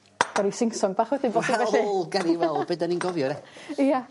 Gawn ni sing song bach wetyn bosib felly. Wel gawn ni weld be' 'dan ni'n gofio 'de? Ia.